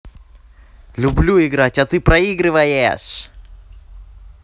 люблю играть а ты проиграешь